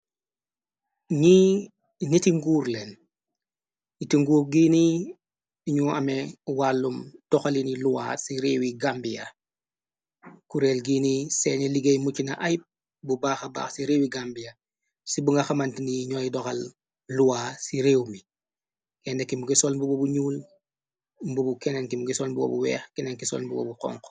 Ñi niti nguur leen, niti nguur giini, ñu ame wàllum doxali ni luwa ci réewi gambia. Kureel giini seeni liggéey muccina ayib bu baaxa baax ci réewi gambia, ci bu nga xamante ni ñooy doxal luwa ci réew mi. Kenn ki mungi sol mbobu bu ñuul mbubu, keneni mungi sol mbubu bu weex, kenenki sol mbubu bu xonxu.